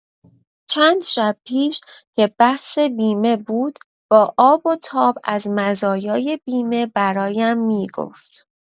چند شب پیش که بحث بیمه بود با آب‌وتاب از مزایای بیمه برایم می‌گفت.